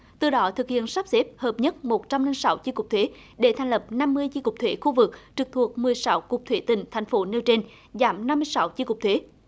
từ đó thực hiện sắp xếp hợp nhất một trăm linh sáu chi cục thuế để thành lập năm mươi chi cục thuế khu vực trực thuộc mười sáu cục thuế tỉnh thành phố nêu trên giảm năm mươi sáu chi cục thuế